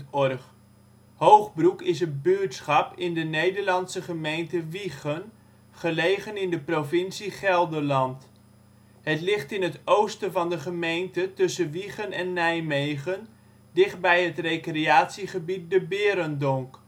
OL Beluister (info) Hoogbroek is een buurtschap in de Nederlandse gemeente Wijchen, gelegen in de provincie Gelderland. Het ligt in het oosten van de gemeente tussen Wijchen en Nijmegen, dichtbij het recreatiegebied ' De Berendonck